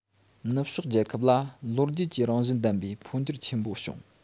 ནུབ ཕྱོགས རྒྱལ ཁབ ལ ལོ རྒྱུས ཀྱི རང བཞིན ལྡན པའི འཕོ འགྱུར ཆེན པོ བྱུང